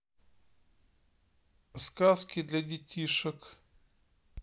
сказки для детишек